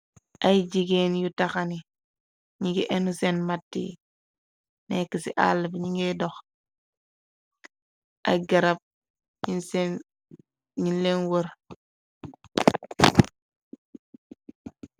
Ay jigéen yu taxaw ni ningi enu seen matti, nekk ci àll bi ñi ngay dox, ay garab ñin leen wër.